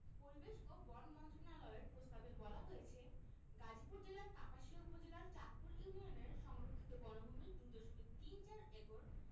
পরিবেশ ও বন মন্ত্রণালয়ের প্রস্তাবে বলা হয়েছে গাজীপুর জেলার কাপাসিয়া উপজেলার চাঁদপুর ইউনিয়নের সংরক্ষিত বনভূমির ২ দশমিক তিন চার একর